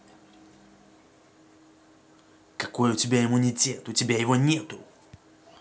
какой у тебя иммунитет у тебя его нету